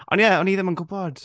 Ond ie, o'n i ddim yn gwybod.